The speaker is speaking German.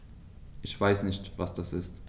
Ich weiß nicht, was das ist.